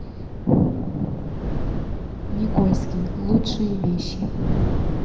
никольский лучшие вещи